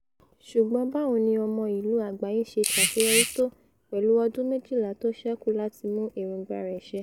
Ṣùgbọn báwo ni àwọn Ọmọ Ìlú Àgbáyé ṣe ṣàṣeyọrí tó pẹ̀lú ọdún méjìlá tóṣẹ́kù láti mú èróńgbà rẹ̀ ṣẹ?